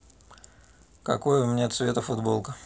какое у меня цвета футболка